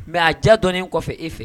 Mɛ a diya dɔn kɔfɛ e fɛ